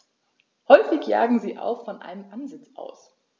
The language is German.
Häufig jagen sie auch von einem Ansitz aus.